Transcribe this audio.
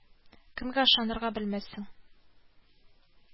Кемгә ышанырга белмәссең